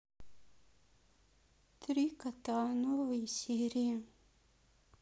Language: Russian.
три кота новые серии